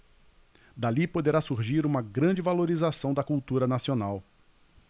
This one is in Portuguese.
dali poderá surgir uma grande valorização da cultura nacional